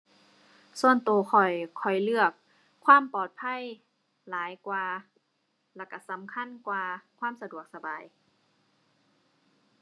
ส่วนตัวข้อย ข้อยเลือกความปลอดภัยหลายกว่าแล้วตัวสำคัญกว่าความสะดวกสบาย